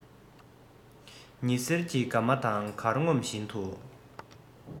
ཉི ཟེར གྱི དགའ མ དང དགར ངོམ བཞིན དུ